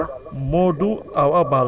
waaleykum salaam wa rahmatulah